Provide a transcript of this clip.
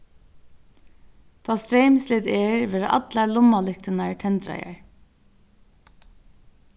tá streymslit er verða allar lummalyktirnar tendraðar